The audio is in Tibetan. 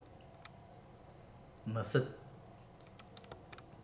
མི སྲིད